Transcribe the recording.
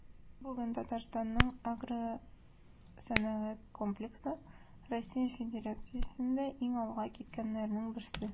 Бүген Татарстанның агросәнәгать комплексы Россия Федерациясендә иң алга киткәннәрнең берсе.